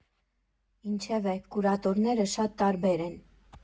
Ինչևէ, կուրատորները շատ տարբեր են։